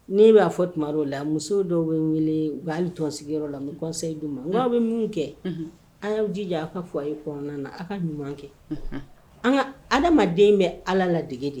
N b'a fɔ tuma la muso dɔw bɛ wele u' tɔn sigiyɔrɔyɔrɔ la gansandu ma' bɛ mun kɛ an' jija aw ka fɔ a kɔnɔna na aw ka ɲuman kɛ an ka aladen bɛ ala ladege de